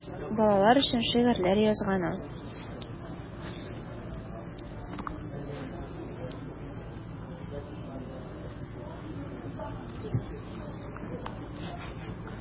Балалар өчен шигырьләр язган ул.